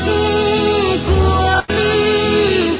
cuốn trôi rồi